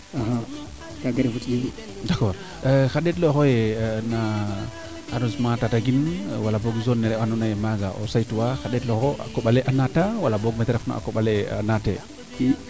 axa d' accord xa ndetlooxo yee na arrondisement Tataguine wala boog zone nene ando nayee maaga o saytuwa xar nu ndet looxu a koɓale a naata wala mete refna a koɓale naate